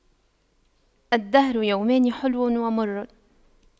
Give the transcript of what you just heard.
الدهر يومان حلو ومر